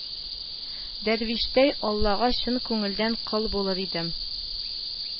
Дәрвиштәй, Аллага чын күңелдән кол булыр идем